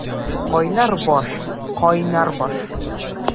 Кайнар баш, кайнар баш!